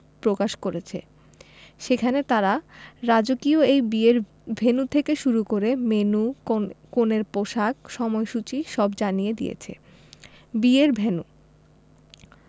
প্রকাশ করেছে সেখানে তারা রাজকীয় এই বিয়ের ভেন্যু থেকে শুরু করে মেন্যু কনের পোশাক সময়সূচী সব জানিয়ে দিয়েছে বিয়ের ভেন্যু